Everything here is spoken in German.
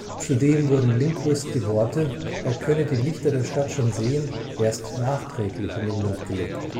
Zudem wurden Linquist die Worte, er könne die Lichter der Stadt schon sehen, erst nachträglich in den Mund gelegt